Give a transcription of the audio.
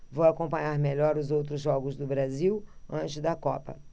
vou acompanhar melhor os outros jogos do brasil antes da copa